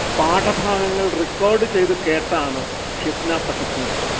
പാഠഭാഗങ്ങൾ റിക്കോർഡ് ചെയ്തു കേട്ടാണു ഷിഫ്ന പഠിക്കുന്നത്